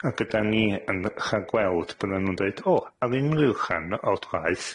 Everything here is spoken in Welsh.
A be' 'dan ni yn rhagweld byddan nhw'n deud, O, ar unryw rhan o'r traeth.